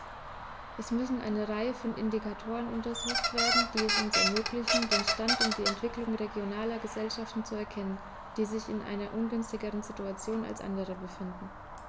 Es müssen eine Reihe von Indikatoren untersucht werden, die es uns ermöglichen, den Stand und die Entwicklung regionaler Gesellschaften zu erkennen, die sich in einer ungünstigeren Situation als andere befinden.